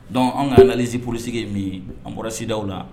Dɔn an ka anzsip polisi ye min an bɔra sidaw la